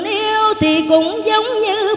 yêu thì cũng giống như